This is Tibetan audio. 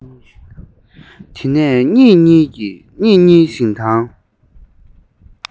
དེ ནས ངེད གཉིས ཞིང ཐང